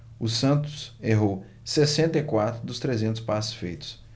o santos errou sessenta e quatro dos trezentos passes feitos